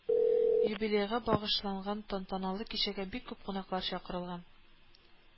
Юбилейга багышланган тантаналы кичәгә бик күп кунаклар чакырылган